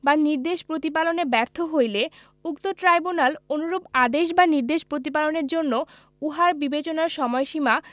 বা নির্দেশ প্রতিপালনে ব্যর্থ হইলে উক্ত ট্রাইব্যুনাল অনুরূপ আদেশ বা নির্দেশ প্রতিপালনের জন্য উহার বিবেচনায় সময়সীমা